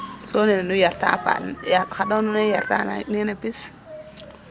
Soo nene nu yarta paal yaag xar to nun nu ne yarta nene pis ?